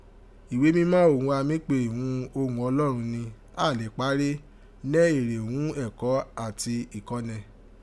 Iwe mímá òghun a mí pe ghun “oghùn Ọlọrọn rin”, áà lè páa rẹ́, “nẹ́ èrè ghún ẹ̀kọ́” abi ìkọ́nẹ”